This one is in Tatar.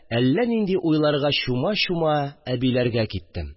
Әллә нинди уйларга чума-чума, әбиләргә киттем